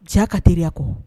Jiya ka teriya kɔ